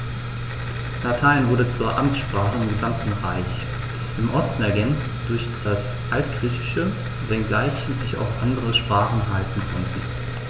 Latein wurde zur Amtssprache im gesamten Reich (im Osten ergänzt durch das Altgriechische), wenngleich sich auch andere Sprachen halten konnten.